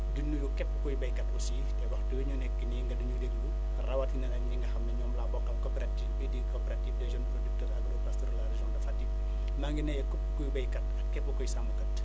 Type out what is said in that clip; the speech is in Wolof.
di nuyu képp kuy béykat aussi te waxtu wi ñu nekk nii nga di ñu déglu rawatina nag ñi nga xam ne ñoom laa bokkal coopérative bi di coopérative des jeunes producteurs agropastorale de la région de Fatick maa ngi nuyu képp kuy béykat ak képp kuy sàmmkat